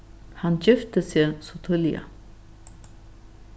hann gifti seg so tíðliga